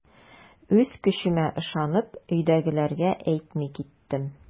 Үз көчемә ышанып, өйдәгеләргә әйтми киттем.